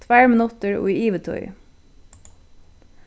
tveir minuttir í yvirtíð